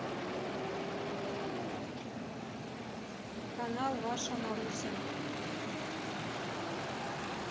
канал ваша маруся